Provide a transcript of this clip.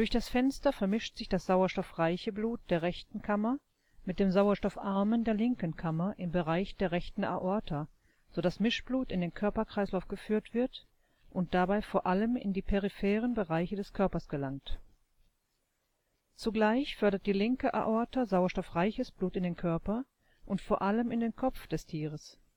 das Fenster vermischt sich das sauerstoffreiche Blut der rechten Kammer mit dem sauerstoffarmen der linken Kammer im Bereich der rechten Aorta, so dass Mischblut in den Körperkreislauf geführt wird und dabei vor allem in die peripheren Bereiche des Körpers gelangt. Zugleich fördert die linke Aorta sauerstoffreiches Blut in den Körper und vor allem in den Kopf des Tieres